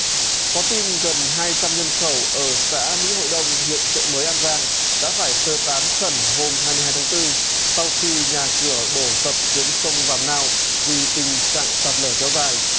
có tin gần hai trăm nhân khẩu ở xã mỹ hội đông huyện chợ mới an giang đã phải sơ tán khẩn hôm hai mươi hai tháng tư sau khi nhà cửa đổ sập xuống sông vàm nao vì tình trạng sạt lở kéo dài